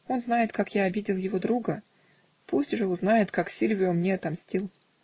он знает, как я обидел его друга: пусть же узнает, как Сильвио мне отомстил.